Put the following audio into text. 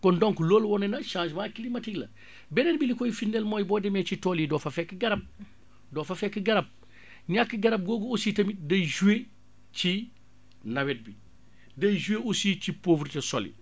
kon donc looloo wane na changement climatique la beneen bi li koy firndéel mooy boo demee ci tool yi doo fa fekk garab doo fa fekk garab ñàkk garab googu aussi tamit day joué ci nawet bi day jouer :fa aussi ci pauvreté sols yi